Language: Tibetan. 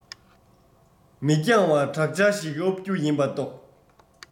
མི འགྱང བར དྲག ཆར ཞིག དབབ རྒྱུ ཡིན པ རྟོགས